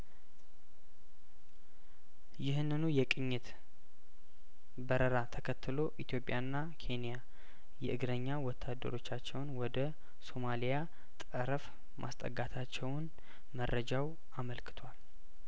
ይህንኑ የቅኝት በረራ ተከትሎ ኢትዮጵያና ኬንያ የእግረኛ ወታደሮቻቸውን ወደ ሶማሊያ ጠረፍ ማስጠጋታቸውን መረጃው አመልክቷል